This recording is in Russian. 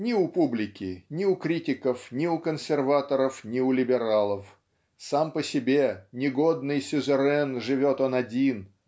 ни у публики, ни у критиков, ни у консерваторов, ни у либералов сам по себе негордый сюзерен живет он один